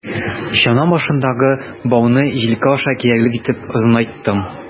Чана башындагы бауны җилкә аша киярлек итеп озынайттым.